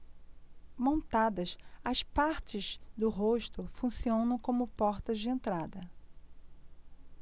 montadas as partes do rosto funcionam como portas de entrada